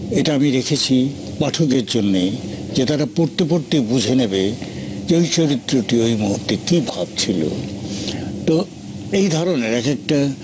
এটা আমি রেখেছি পাঠকের জন্য যে তারা পড়তে পড়তে বুঝে নেবে এ চরিত্রটি মুহূর্তে কি ভাবছিল তো এই ধরণের একেকটা